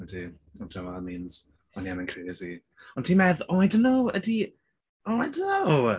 Ydy. I don't know what that means. Ond ie mae'n crazy. Ond ti'n medd... oh I don't know ydy...Oh I don't know.